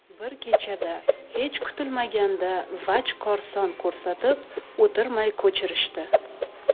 bir kechada hech kutilmaganda vaj korson ko'rsatib o'tirmay ko'chirishdi